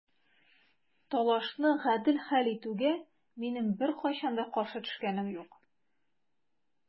Талашны гадел хәл итүгә минем беркайчан да каршы төшкәнем юк.